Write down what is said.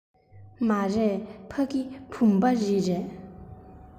མ རེད ཕ གི བུམ པ རི རེད